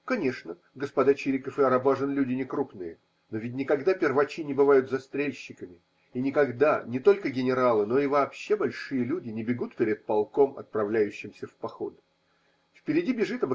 Конечно, господа Чириков и Арабажин люди не крупные, но ведь никогда первачи не бывают застрельщиками, и никогда не только генералы, но и вообще большие люди не бегут перед полком, отправляющимся в поход. Впереди бежит.